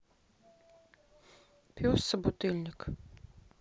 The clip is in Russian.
пес собутыльник